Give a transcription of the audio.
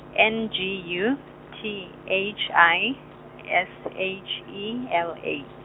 N G U, T H I, S H E, L A.